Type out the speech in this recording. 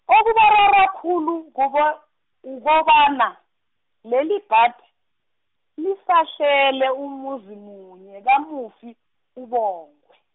okubarara khulu kuko- kukobana, lelibhadi, lisahlele umuzi munye kamufi, uBongwe.